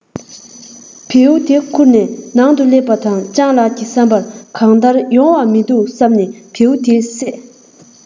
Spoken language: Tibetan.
བེའུ འཁུར ནས ནང དུ སླེབས པ དང སྤྱང ལགས ཀྱི བསམ པར གང ལྟར ཡོང བ མི འདུག བསམས ནས བེའུ དེ བསད